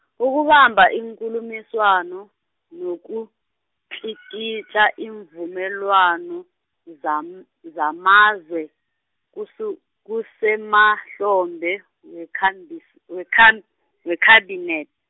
ukubamba iinkulumiswano, nokutlikitla iimvumelwano, zam- zamazwe, kusu- kusemahlombe wekhambi- weKha- wekhabinethe.